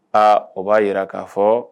A o b'a jira k'a fɔ